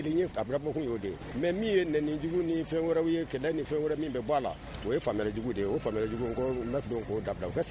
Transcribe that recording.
Ye kabila bɔ ye njugu ni fɛn wɛrɛ ye kɛlɛ ni fɛn wɛrɛ min bɛ bɔ la o yejugu de ye o' da